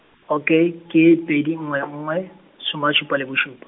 okay, ke pedi nngwe nngwe, soma a supa le bosupa.